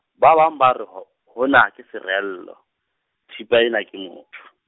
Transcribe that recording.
ba bang ba re ho-, hona ke sereello, thipa ena ke motho.